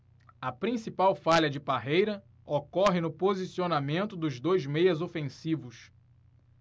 a principal falha de parreira ocorre no posicionamento dos dois meias ofensivos